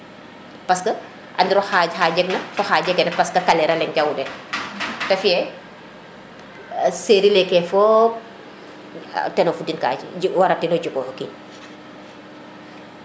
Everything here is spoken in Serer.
parce que andiro xa jegna fo wa jegeer na parce que a kalera le njaw ne te fiye serie leke fop tena fudin ka waratino jikoxo kiin